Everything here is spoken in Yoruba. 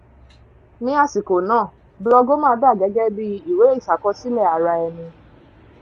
Ní àsìkò náà, Blogoma dà gẹ́gẹ́ bíi ìwé ìṣàkọsílẹ̀ ara-ẹni.